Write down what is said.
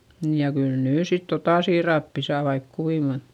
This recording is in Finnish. niin ja kyllä nyt sitten tuota siirappia saa vaikka kuinka kun